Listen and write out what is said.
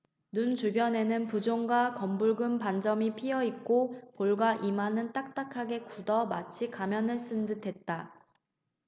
눈 주변에는 부종과 검붉은 반점이 피어 있고 볼과 이마는 딱딱하게 굳어 마치 가면을 쓴 듯했다